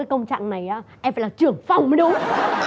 công trạng này á em phải làm trưởng phòng mới đúng ờ